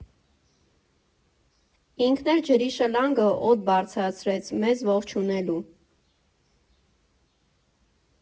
Ինքն էլ ջրի շլանգը օդ բարձրացրեց՝ մեզ ողջունելու։